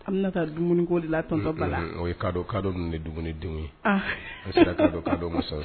Ala taa dumuni ko la dɔ o ye kadɔ kadɔ ninnu de dumunidenw ye ka kadɔ masa